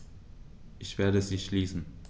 Ich werde sie schließen.